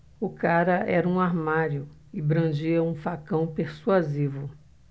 o cara era um armário e brandia um facão persuasivo